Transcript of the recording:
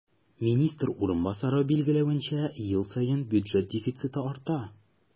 Министр урынбасары билгеләвенчә, ел саен бюджет дефициты арта.